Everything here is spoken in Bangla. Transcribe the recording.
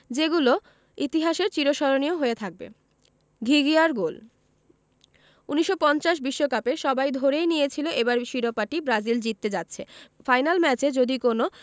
যেগুলো ইতিহাসে চিরস্মরণীয় হয়ে থাকবে ঘিঘিয়ার গোল ১৯৫০ বিশ্বকাপে সবাই ধরেই নিয়েছিল এবারের শিরোপাটি ব্রাজিল জিততে যাচ্ছে ফাইনাল ম্যাচে যদি কোনো